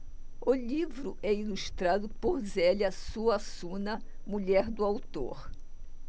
o livro é ilustrado por zélia suassuna mulher do autor